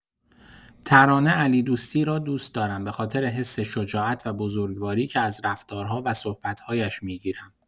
ترانه علیدوستی را دوست دارم به‌خاطر حس شجاعت و بزرگواری که از رفتارها و صحبت‌هایش می‌گیرم.